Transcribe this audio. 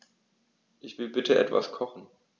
Ich will bitte etwas kochen.